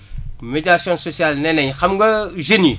médiation sociale neenañ xam nga jeunes yi